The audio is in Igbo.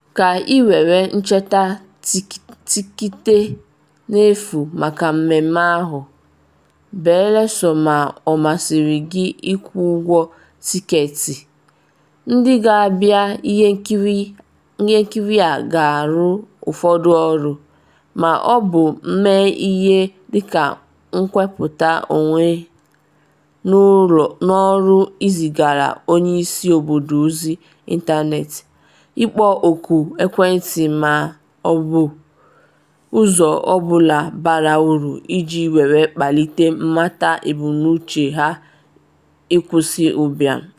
Ka ị were nweta tịketị n’efu maka mmemme ahụ (beluso ma ọ masịrị gị ịkwụ ụgwọ tịketị), ndị ga-abịa ihe nkiri a ga-arụ ụfọdụ ọrụ, ma ọ bụ ‘mee ihe’ dịka nwepụta onwe n’ọrụ, izigara onye isi obodo ozi ịntanetị, ịkpọ oku ekwentị ma ọ bụ ụzọ ọ bụla bara uru iji were kpalite mmata ebumnuche ha ịkwụsị ụbịam.